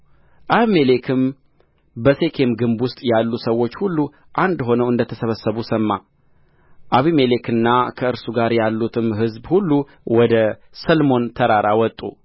አቤሜሌክም በሴኬም ግንብ ውስጥ ያሉ ሰዎች ሁሉ አንድ ሆነው እንደ ተሰበሰቡ ሰማ አቤሜሌክና ከእርሱ ጋር ያሉትም ሕዝብ ሁሉ ወደ ሰልሞን ተራራ ወጡ